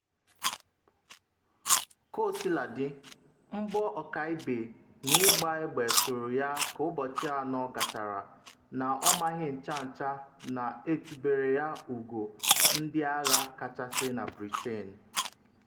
Kaosiladị, mgbọ ọkaibe n’ịgba egbe tụrụ ya ka ụbọchị anọ gachara na ọ maghị ncha ncha na etubere ya ugo ndị agha kachasị na Britain.